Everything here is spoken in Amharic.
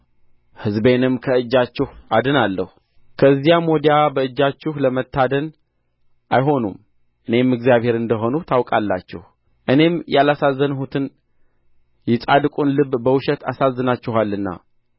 ሕዝቤንም ከእጃችሁ አድናለሁ ከዚያም ወዲያ በእጃችሁ ለመታደን አይሆኑም እኔም እግዚአብሔር እንደ ሆንሁ ታውቃላችሁ እኔም ያላሳዘንሁትን የጻድቁን ልብ በውሸት አሳዝናችኋልና